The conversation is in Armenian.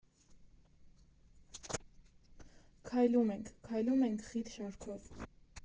Քայլում ենք, քայլում ենք խիտ շարքով։